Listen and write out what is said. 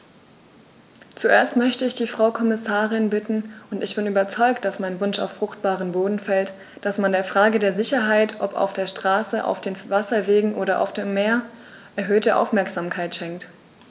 Zuerst möchte ich die Frau Kommissarin bitten - und ich bin überzeugt, dass mein Wunsch auf fruchtbaren Boden fällt -, dass man der Frage der Sicherheit, ob auf der Straße, auf den Wasserwegen oder auf dem Meer, erhöhte Aufmerksamkeit schenkt.